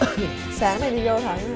sáng này đi vô